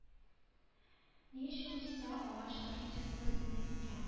Ни өчен русьта агач архитектура өстенлек иткән